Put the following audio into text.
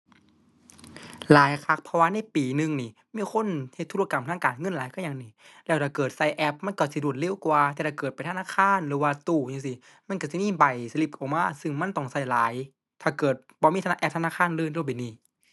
หลายคัก เพราะว่าในปีหนึ่งนี่ มีคนเฮ็ดธุรกรรมทางการเงินหลายคือหยังหนิ แล้วถ้าเกิดใช้แอปมันใช้สิรวดเร็วกว่า แต่ถ้าเกิดไปธนาคารหรือว่าตู้จั่งซี้ มันใช้สิมีใบสลิปออกมา ซึ่งมันต้องใช้หลาย ถ้าเกิดบ่มีธนา แอปธนาคารเลย